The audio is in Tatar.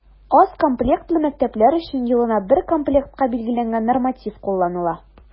Аз комплектлы мәктәпләр өчен елына бер комплектка билгеләнгән норматив кулланыла.